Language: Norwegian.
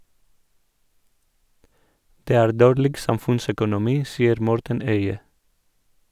Det er dårlig samfunnsøkonomi, sier Morten Øye.